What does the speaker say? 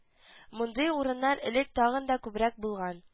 Мондый урыннар элек тагын да күбрәк булган